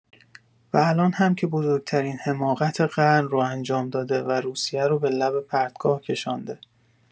و الان هم که بزرگ‌ترین حماقت قرن رو انجام داده و روسیه رو به لبه پرتگاه کشانده.